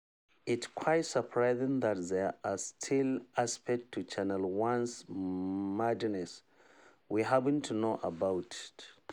It’s quite surprising that there are still aspects to Channel One’s madness we haven’t known about.